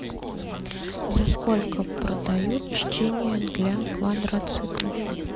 за сколько продают чтение для квадроциклов